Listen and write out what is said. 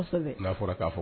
Kɔsɛbɛ. Na fɔra ka fɔ